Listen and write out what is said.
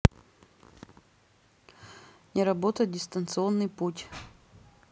не работает дистанционный путь